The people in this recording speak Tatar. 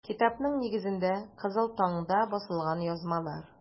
Китапның нигезендә - “Кызыл таң”да басылган язмалар.